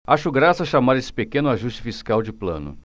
acho graça chamar esse pequeno ajuste fiscal de plano